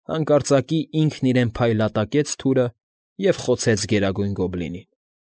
Հանկարծակի ինքն իրեն փայլատակեց թուրը և խոցեց Գերագույն Գոբլինին։